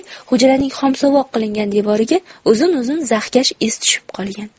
hujraning xomsuvoq qilingan devoriga uzun uzun zahkash iz tushib qolgan